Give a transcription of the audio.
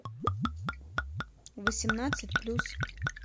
восемнадцать плюс